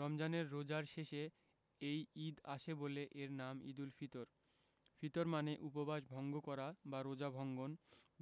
রমজানের রোজার শেষে এই ঈদ আসে বলে এর নাম ঈদুল ফিতর ফিতর মানে উপবাস ভঙ্গ করা বা রোজা ভঙ্গন